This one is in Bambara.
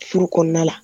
Furu kɔnɔna la